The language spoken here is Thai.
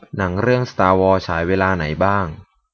หนังเรื่องสตาร์วอร์ฉายเวลาไหนบ้าง